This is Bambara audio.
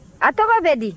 a tɔgɔ bɛ di